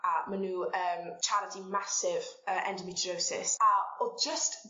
...a ma' n'w yn charity massive yy endometriosis a o'dd jyst